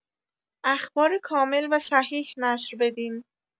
اخبار کامل و صحیح نشر بدین.